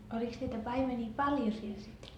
olikos niitä paimenia paljon siellä sitten